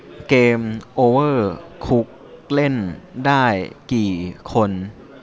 เกมโอเวอร์คุกเล่นได้กี่คน